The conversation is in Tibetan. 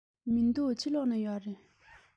མི འདུག ཕྱི ལོགས ལ ཡོད རེད